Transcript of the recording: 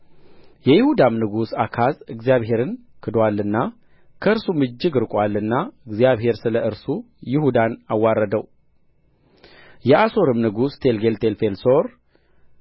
የይሁዳም ንጉሥ አካዝ እግዚአብሔርን ክዷልና ከእርሱም እጅግ ርቆአልና እግዚአብሔር ስለ እርሱ ይሁዳን አዋረደው የአሦርም ንጉሥ ቴልጌልቴልፌልሶር